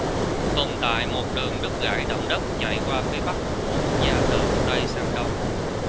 tồn tại một đường đứt gãy động đất chạy qua phía bắc của quốc gia từ tây sang đông